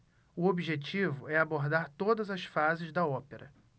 o objetivo é abordar todas as fases da ópera